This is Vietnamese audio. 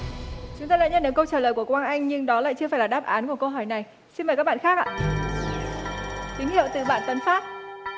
chúng ta đã nhận được câu trả lời của quang anh nhưng đó lại chưa phải là đáp án của câu hỏi này xin mời các bạn khác ạ tín hiệu từ bạn tấn phát